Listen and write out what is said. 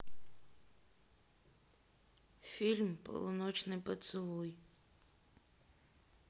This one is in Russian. фильм полуночный поцелуй